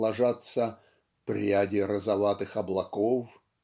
ложатся "пряди розоватых облаков